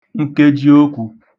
nkejiokwū